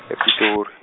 e- Pitori.